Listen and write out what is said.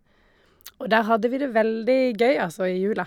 Og der hadde vi det veldig gøy, altså, i jula.